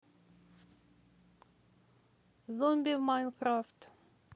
зомби в майнкрафт